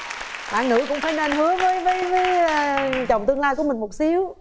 bạn nữ cũng phải nên hứa với với chồng tương lai của mình một xíu